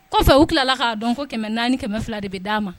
Kɔfɛ u tilala k'a dɔn ko kɛmɛ naani kɛmɛ fila de bɛ d'a ma